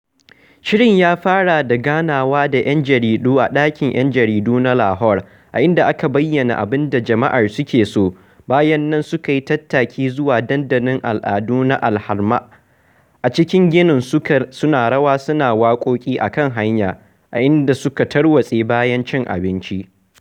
Shirin ya fara da ganawa da 'yan jaridu a ɗakin 'Yan Jaridu na Lahore, a inda aka bayyana abin da jama'ar suke so; bayan nan suka yi tattaki zuwa Dandalin Al'adu na Al Hamra a cikin ginin suna rawa suna waƙoƙi a kan hanya, a inda suka tarwatse bayan cin abinci.